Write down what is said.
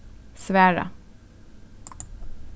svara